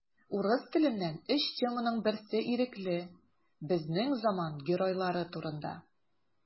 Урыс теленнән өч теманың берсе ирекле: безнең заман геройлары турында.